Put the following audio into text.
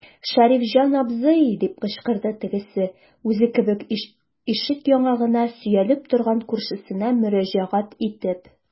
Шәрифҗан абзый, - дип кычкырды тегесе, үзе кебек ишек яңагына сөялеп торган күршесенә мөрәҗәгать итеп.